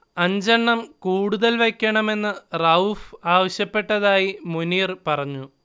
അഞ്ചെണ്ണം കൂടുതൽ വയ്ക്കണമെന്ന് റഊഫ് ആവശ്യപ്പെട്ടതായി മുനീർ പറഞ്ഞു